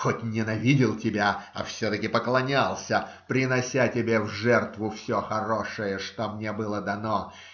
хоть ненавидел тебя, а все-таки поклонялся, принося тебе в жертву все хорошее, что мне было дано.